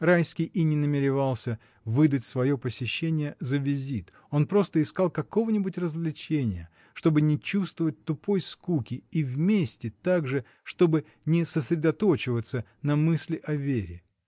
Райский и не намеревался выдать свое посещение за визит: он просто искал какого-нибудь развлечения, чтоб не чувствовать тупой скуки и вместе также, чтоб не сосредоточиваться на мысли о Вере.